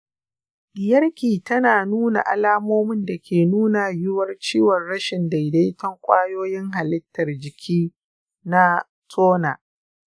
diyarki tana nuna alamomin da ke nuna yiwuwar ciwon rashin daidaiton kwayoyin halittar jiki na turner.